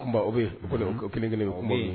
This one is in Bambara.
Kelen kelen ma. O bɛ yen